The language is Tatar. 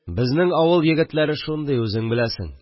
Безнең авыл егетләре шундый, үзең беләсең